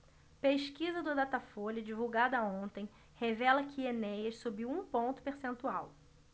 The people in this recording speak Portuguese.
pesquisa do datafolha divulgada ontem revela que enéas subiu um ponto percentual